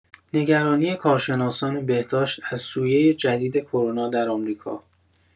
نگرانی کارشناسان بهداشت از سویه جدید کرونا در آمریکا